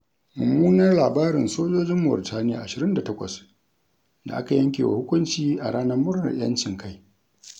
Mummunan labarin sojojin Mauritaniya 28 da aka yankewa hukunci a Ranar Murnar 'Yancin Kai.